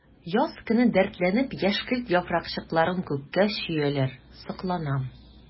Яз көне дәртләнеп яшькелт яфракчыкларын күккә чөяләр— сокланам.